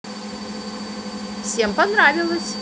всем понравилоь